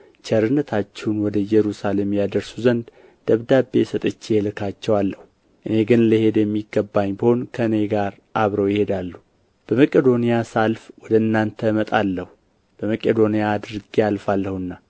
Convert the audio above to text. ቸርነታችሁን ወደ ኢየሩሳሌም ያደርሱ ዘንድ ደብዳቤ ሰጥቼ እልካቸዋለሁ እኔ ደግሞ ልሄድ የሚገባኝ ብሆን ከእኔ ጋር አብረው ይሄዳሉ በመቄዶንያም ሳልፍ ወደ እናንተ እመጣለሁ በመቄዶንያ አድርጌ አልፋለሁና